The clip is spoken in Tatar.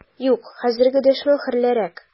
Юк, хәзергә дәшмәү хәерлерәк!